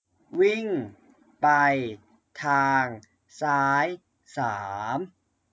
วิ่งไปทางซ้ายสาม